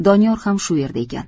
doniyor ham shu yerda ekan